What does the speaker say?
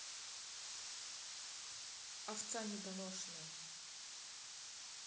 овца недоношенная